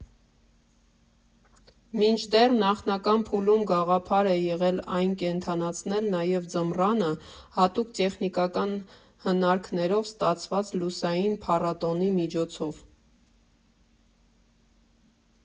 Մինչդեռ նախնական փուլում գաղափար է եղել այն կենդանացնել նաև ձմռանը՝ հատուկ տեխնիկական հնարքներով ստացված լուսային փառատոնի միջոցով.